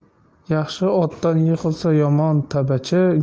yaxshi otdan yiqilsa yomon tabachi